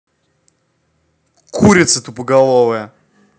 курица тупоголовая